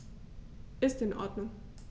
Ist in Ordnung.